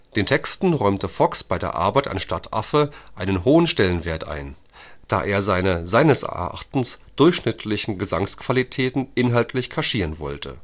Den Texten räumte Fox bei der Arbeit an Stadtaffe einen hohen Stellenwert ein, da er seine seines Erachtens durchschnittlichen Gesangsqualitäten inhaltlich kaschieren wollte